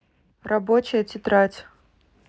рабочая тетрадь